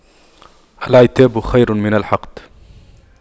العتاب خير من الحقد